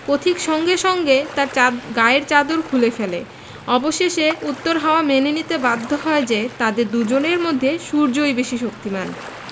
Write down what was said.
পথিক সঙ্গে সঙ্গে তার গায়ের চাদর খুলে ফেলে অবশেষে উত্তর হাওয়া মেনে নিতে বাধ্য হয় যে তাদের দুজনের মধ্যে সূর্যই বেশি শক্তিমান